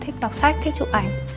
thích đọc sách thích chụp ảnh